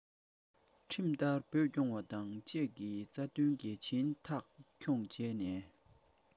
ཁྲིམས ལྟར བོད སྐྱོང བ དང བཅས ཀྱི རྩ དོན གལ ཆེན མཐའ འཁྱོངས བྱས ནས